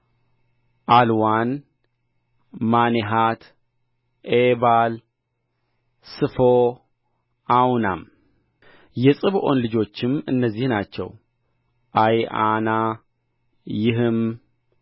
ዓልዋን ማኔሐት ዔባል ስፎ አውናም የፅብዖን ልጆችም እነዚህ ናቸው አያ ዓና ይህም